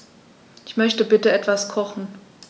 Ich möchte bitte etwas kochen.